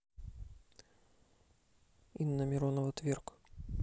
инна миронова тверк